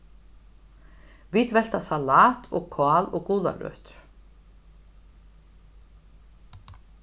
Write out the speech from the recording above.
vit velta salat og kál og gularøtur